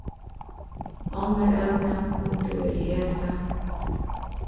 onnur evni kundu verið hesi